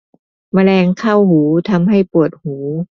แมลงเข้าหูทำให้ปวดหู